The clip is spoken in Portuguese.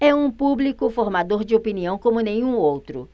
é um público formador de opinião como nenhum outro